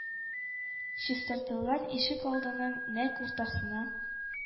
Чистартылган ишек алдының нәкъ уртасына,